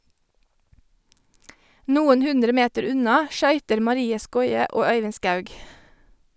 Noen hundre meter unna skøyter Marie Skoie og Øyvind Skaug.